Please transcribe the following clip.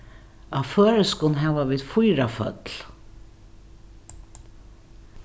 á føroyskum hava vit fýra føll